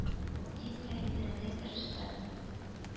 — дип гаепләргә тырышты.